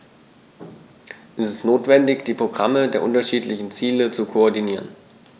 Es ist notwendig, die Programme der unterschiedlichen Ziele zu koordinieren.